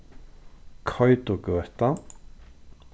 koytugøta